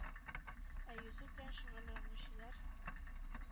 Ә йөзү белән шөгыльләнүчеләр,